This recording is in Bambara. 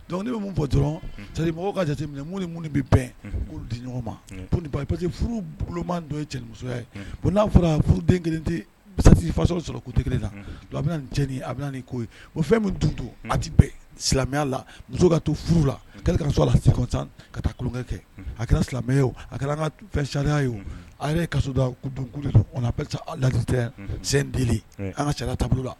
Dɔnku ne bɛ mun fɔ dɔrɔnri mɔgɔw ka jate minɛ minnu ni minnu bɛ bɛn k' di ɲɔgɔn ma que furuma don ye cɛmuso ye n'a fɔra furuden kelen tɛfa sɔrɔ sɔrɔ kutigi la a bɛ ko fɛn min to a silamɛya la muso ka to la la se ka taa tulonkɛ kɛ a kɛra silamɛ a kɛra an ka fɛn sariya ye a yɛrɛ kada ku ladi tɛ sen an ka ca taabolo la